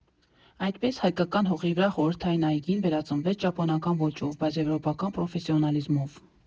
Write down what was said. Այդպես, հայկական հողի վրա խորհրդային այգին վերածնվեց ճապոնական ոճով, բայց եվրոպական պրոֆեսիոնալիզմով։